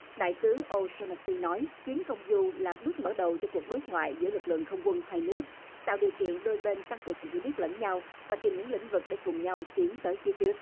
đại tướng ô xo na xi nói chuyến công du là bước mở đầu cho cuộc đối thoại giữa lực lượng không quân hai nước tạo điều kiện đôi bên tăng cường hiểu biết lẫn nhau và tìm những lĩnh vực để cùng nhau tiến tới phía trước